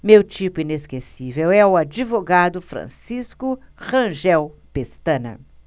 meu tipo inesquecível é o advogado francisco rangel pestana